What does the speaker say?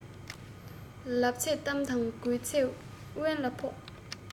ལབ ཚད གཏམ དང དགོས ཚད འབེན ལ ཕོག